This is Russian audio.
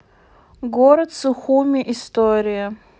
город сухуми история